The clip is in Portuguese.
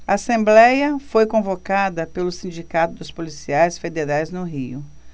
a assembléia foi convocada pelo sindicato dos policiais federais no rio